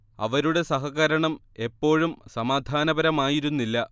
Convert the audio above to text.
അവരുടെ സഹകരണം എപ്പോഴും സമാധാനപരമായിരുന്നില്ല